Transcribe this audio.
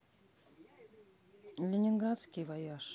ленинград вояж